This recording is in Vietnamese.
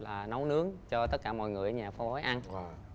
và nấu nướng cho tất cả mọi người ở nhà cô ấy ăn